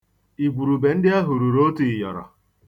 Igwurube ndị ahụ ruru otu ịyọrọ